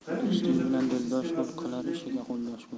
do'sting bilan dildosh bo'l qilar ishiga qo'ldosh bo'l